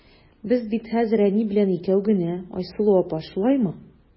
Без бит хәзер әни белән икәү генә, Айсылу апа, шулаймы?